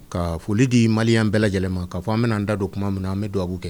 Kaa foli di malien bɛɛ lajɛlen ma ka fɔ an bena an' da don kuma min na an be dubawu kɛ